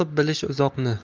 o'qib bilish uzoqni